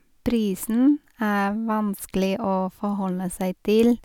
Prisen er vanskelig å forholde seg til.